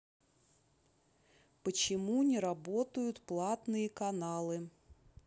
почему не работают платные каналы